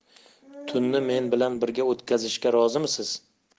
tunni men bilan birga o'tkazishga rozimisiz